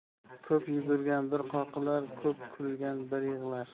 ko'p yuguigan bir qoqilar ko'p kulgan bir yig'lar